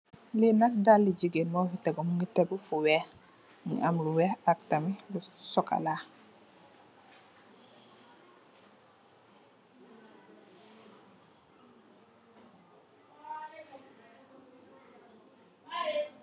Lee nak daali jigeen mofi tegu mogi tegu fu weex mogi am lu weex ak tam lu chocola.